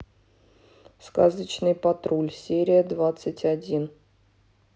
сказочный патруль серия двадцать один